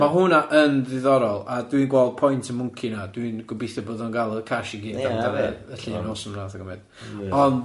Ma' hwnna yn ddiddorol a dwi'n gweld point y mwnci na dwi'n gobeithio bod o'n ga'l y cash i gyd amdano y llun os na wnaeth o gymaint ond.